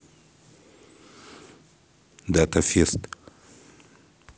дата фест